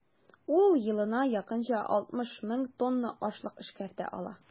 Ул елына якынча 60 мең тонна ашлык эшкәртә ала.